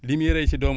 li muy ray si doomu